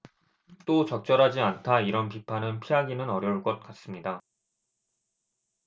또 적절하지 않다 이런 비판은 피하기는 어려울 것 같습니다